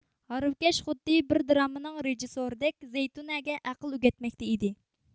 ھارۋىكەش خۇددى بىر دراممىنىڭ رېژىسسورىدەك زەيتۇنەگە ئەقىل ئۆگەتمەكتە ئىدى